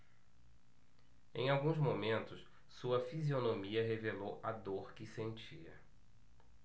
em alguns momentos sua fisionomia revelou a dor que sentia